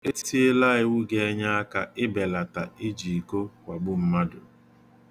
E tiela iwu ga-enye aka ịbelata iji iko ikwagbu mmadụ.